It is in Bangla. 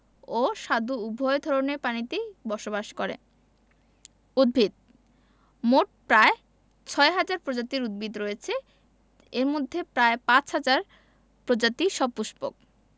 ও স্বাদু উভয় ধরনের পানিতেই বসবাস করে উদ্ভিদঃ মোট প্রায় ৬ হাজার প্রজাতির উদ্ভিদ রয়েছে এর মধ্যে প্রায় ৫ হাজার প্রজাতি সপুষ্পক